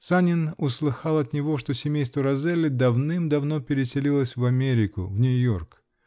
Санин услыхал от него, что семейство Розелли давным-давно переселилось в Америку, в Нью-Йорк